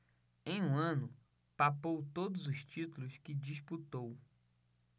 em um ano papou todos os títulos que disputou